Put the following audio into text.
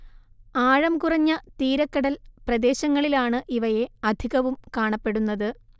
ആഴം കുറഞ്ഞ തീരക്കടൽ പ്രദേശങ്ങളിലാണ് ഇവയെ അധികവും കാണപ്പെടുന്നത്